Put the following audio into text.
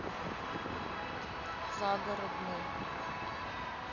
загородный